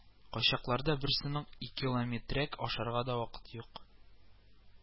Кайчакларда бер сынык икилометрәк ашарга да вакыт юк